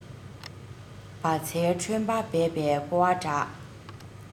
བ ཚྭའི ཁྲོན པ འབད པས རྐོ བ འདྲ